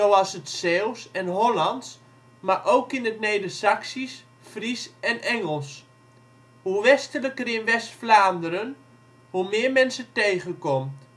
als het Zeeuws en Hollands, maar ook in het Nedersaksisch, Fries en Engels. Hoe westelijker in West-Vlaanderen, hoe meer men ze tegenkomt